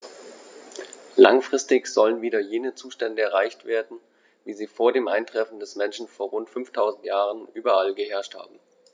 Langfristig sollen wieder jene Zustände erreicht werden, wie sie vor dem Eintreffen des Menschen vor rund 5000 Jahren überall geherrscht haben.